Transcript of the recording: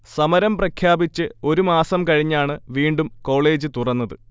സമരം പ്രഖ്യാപിച്ച്ഒരു മാസം കഴിഞ്ഞാണ് വീണ്ടും കോളേജ് തുറന്നത്